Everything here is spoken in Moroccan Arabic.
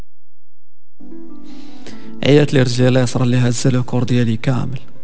ايه للرجال اصلها السيليكون كامل